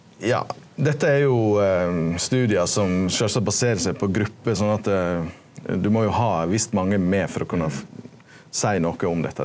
ja dette er jo studiar som sjølvsagt baserer seg på grupper sånn at du må jo ha visst mange med for å kunna seie noko om dette.